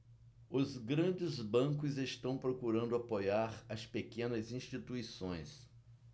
os grandes bancos estão procurando apoiar as pequenas instituições